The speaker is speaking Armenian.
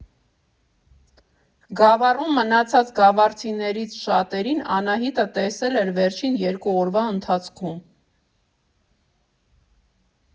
Գավառում մնացած գավառցիներից շատերին Անահիտը տեսել էր վերջին երկու օրվա ընթացքում։